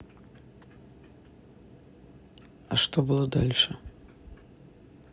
а что было дальше